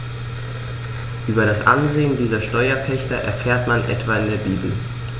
Über das Ansehen dieser Steuerpächter erfährt man etwa in der Bibel.